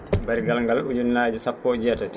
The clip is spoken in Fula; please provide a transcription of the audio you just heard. barigal ngal ujunnaaje sappo e jeetati